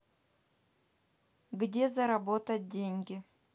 где заработать деньги